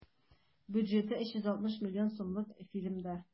Бюджеты 360 миллион сумлык фильмда.